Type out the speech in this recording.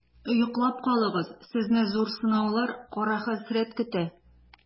Йоклап калыгыз, сезне зур сынаулар, кара хәсрәт көтә.